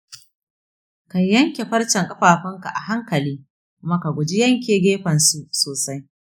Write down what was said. ka yanke farcen ƙafafunka a hankali kuma ka guji yanke gefen su sosai.